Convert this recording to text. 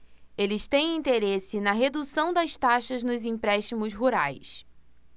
eles têm interesse na redução das taxas nos empréstimos rurais